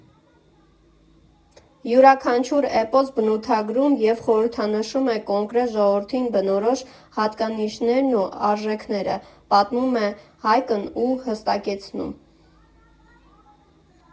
Յուրաքանչյուր էպոս բնութագրում և խորհրդանշում է կոնկրետ ժողովրդին բնորոշ հատկանիշներն ու արժեքները, պատմում է Հայկն ու հստակեցնում.